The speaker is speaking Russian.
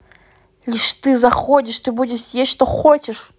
лишь ты заходишь ты будешь есть что хочешь